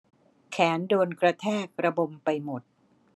แขนโดนกระแทกระบมไปหมด